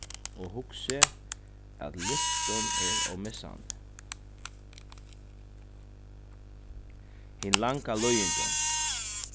og hugsi at listin er ómissandi hin langa líðingin